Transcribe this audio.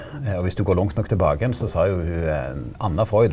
og viss du går langt nok tilbake igjen så sa jo ho Anna Freud.